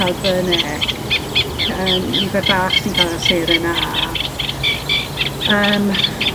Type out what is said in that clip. ca'l by ne' ec yy nifer bach sy'n ca'l y seren a yym